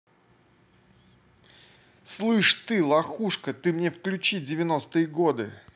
слышь ты лохушка ты мне включи девяностые годы